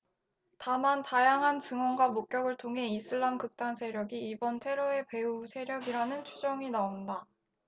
다만 다양한 증언과 목격을 통해 이슬람 극단 세력이 이번 테러의 배후세력이라는 추정이 나온다